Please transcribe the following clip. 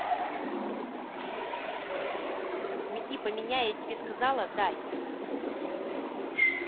уйди поменяй я тебе сказала дай